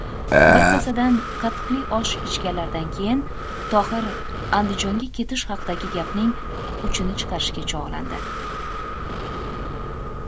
bir kosadan qatiqli osh ichganlaridan keyin tohirandijonga ketish haqidagi gapning uchini chiqarishga chog'landi